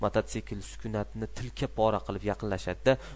mototsikl sukunatni tilka pora qilib yaqinlashadi da